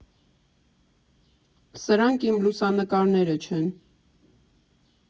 Սրանք իմ լուսանկարները չեն։